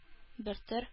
Бертөр